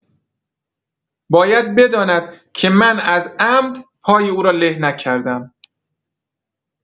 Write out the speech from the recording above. باید بداند که من از عمد پای او را له نکردم.